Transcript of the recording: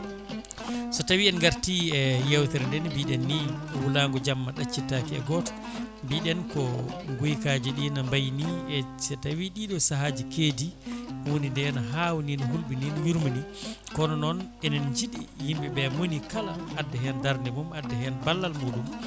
so tawi en garti e yewtere nde no mbiɗen ni ko wuulago jamma ɗaccittake e goto mbiɗen ko guykaji ɗi no mbayi ni e so tawi ɗiɗo saahaji keedi hunde nde ne hawni ne hulɓini ne wurmini kono noon enen jiiɗi yimɓeɓe monikala adda hen darde mum adda hen balal muɗum